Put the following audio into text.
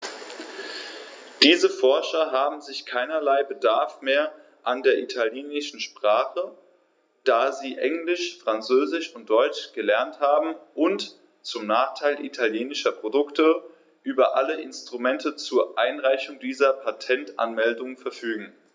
Diese Forscher haben sicher keinerlei Bedarf mehr an der italienischen Sprache, da sie Englisch, Französisch und Deutsch gelernt haben und, zum Nachteil italienischer Produkte, über alle Instrumente zur Einreichung dieser Patentanmeldungen verfügen.